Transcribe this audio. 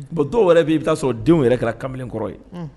Bon dɔw wɛrɛ b bɛ i bɛ taa sɔrɔ denw yɛrɛ kɛra kamalen kɔrɔ ye